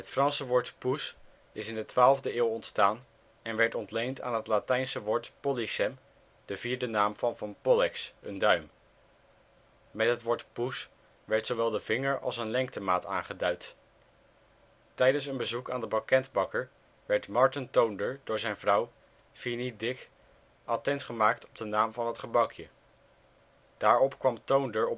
Franse woord pouce is in de 12e eeuw ontstaan en werd ontleend aan het Latijnse woord pollicem, de 4e naamval van pollex (duim). Met het woord pouce werd zowel de vinger als een lengtemaat aangeduid. Tijdens een bezoek aan de banketbakker werd Marten Toonder door zijn vrouw Phiny Dick attent gemaakt op de naam van het gebakje. Daarop kwam Toonder